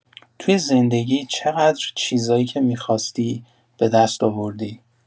توی زندگی چقدر چیزایی که می‌خواستی، به دست آوردی؟